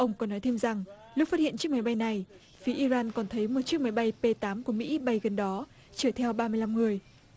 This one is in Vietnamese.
ông còn nói thêm rằng lúc phát hiện chiếc máy bay này phía i ran còn thấy một chiếc máy bay pê tám của mỹ bay gần đó chở theo ba mươi lăm người